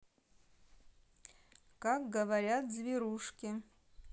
как говорят зверушки